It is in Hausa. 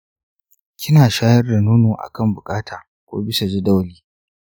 kina shayar da nono akan buƙata ko bisa jadawali?